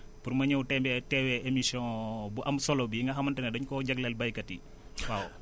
pour ma ñëw teewee émission bu am solo bii nga xamante ne dañ koo jagleel béykat yi waaw